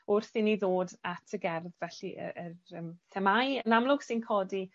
wrth i ni ddod at y gerdd felly yy yr yym themâu yn amlwg sy'n codi